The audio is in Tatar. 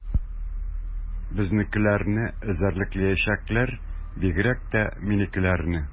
Безнекеләрне эзәрлекләячәкләр, бигрәк тә минекеләрне.